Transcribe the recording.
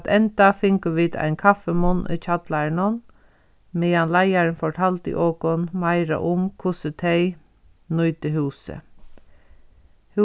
at enda fingu vit ein kaffimunn í kjallaranum meðan leiðarin fortaldi okum meira um hvussu tey nýta húsið